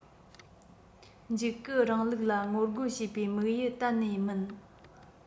འཇིགས སྐུལ རིང ལུགས ལ ངོ རྒོལ བྱེད པའི དམིགས ཡུལ གཏན ནས མིན